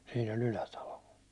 siinä oli Ylätalo